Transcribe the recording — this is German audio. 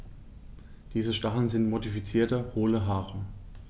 Diese Stacheln sind modifizierte, hohle Haare.